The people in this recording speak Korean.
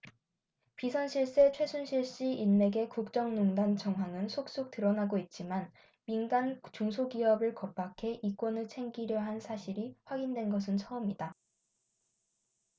비선 실세 최순실씨 인맥의 국정농단 정황은 속속 드러나고 있지만 민간 중소기업을 겁박해 이권을 챙기려 한 사실이 확인된 것은 처음이다